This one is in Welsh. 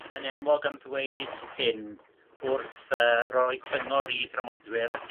yn enwog am ddweud hyn wrth yy roi cyngor i ddramodwyr